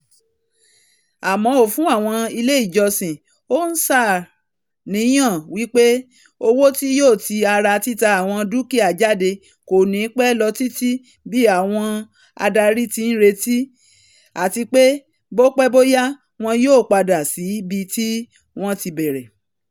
Àmọò fún àwọn ilé ìjọsìn, ó ńṣàníyàn wípé owó tí yóò ti ara títa àwọn dúkìá jáde kòní pẹ́ lọ títí bí àwọn adarí ti ńretí́, ''àtipé bópe bóyạ́́ wọn yóò padà sí'bi tí wọ́n ti bẹ̀rẹ̀.